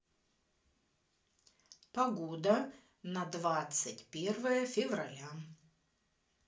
погода на двадцать первое февраля